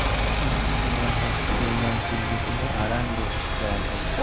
ich ichidan toshib kelgan kulgisini arang bosib turardi